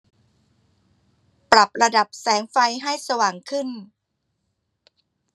ปรับระดับแสงไฟให้สว่างขึ้น